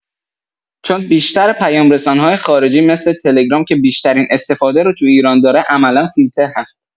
چون بیشتر پیام‌رسان‌های خارجی مثل تلگرام که بیشترین استفاده رو تو ایران داره عملا فیلتر هست.